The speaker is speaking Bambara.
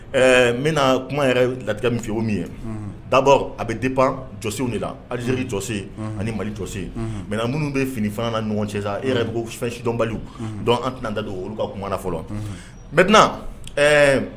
Ɛɛ n bɛna kuma yɛrɛ latigɛ min fɛ o min ye dabɔ a bɛ de pan jɔsiw de la alizeri jɔse ani mali jɔse mɛ minnu bɛ finifana na ɲɔgɔn cɛ sa e yɛrɛ bɔ fɛnsidɔn bali dɔn an da don olu ka kuma na fɔlɔ nt ɛɛ